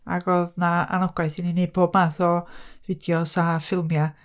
Ac oedd 'na annogaeth i ni wneud pob math o fideos a ffilmiau.